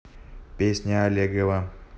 песня аллегрова